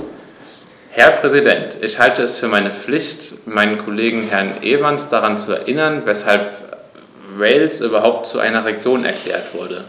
Herr Präsident, ich halte es für meine Pflicht, meinen Kollegen Herrn Evans daran zu erinnern, weshalb Wales überhaupt zu einer Region erklärt wurde.